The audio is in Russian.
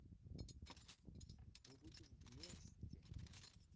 мы будем вместе